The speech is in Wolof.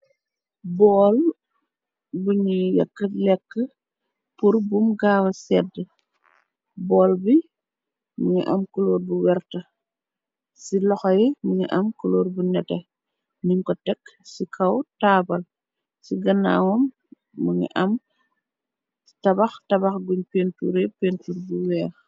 Bohll bu njui yehkue lekue pur bum gawah sedue, bohll bii mungy am couleur bu vertue, cii lokhor yii mungy am couleur bu nehteh, njung kor tek cii kaw taabul, cii ganawam mungy am tabakh, tabakh bungh peinturreh peintur bu wekh.